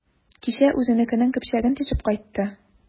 Кичә үзенекенең көпчәген тишеп кайтты.